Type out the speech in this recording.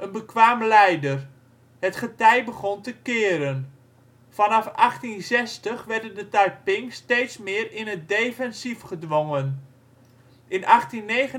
bekwaam leider. Het getij begon te keren. Vanaf 1860 werden de Taiping steeds meer in het defensief gedwongen. In 1859/60